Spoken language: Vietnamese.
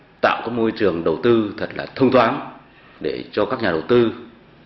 tạo cái môi trường đầu tư thật là thông thoáng để cho các nhà đầu tư